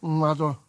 Nadw.